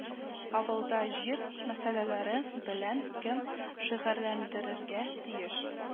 Авылда җир мәсьәләләре белән кем шөгырьләндерергә тиеш